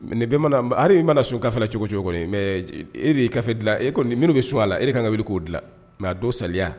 Nin ali i mana sun kala cogo cogo kɔnɔ er'ife dilan e minnu bɛ sun a la e ka kan ka wuli k'o dilan mɛ a don saya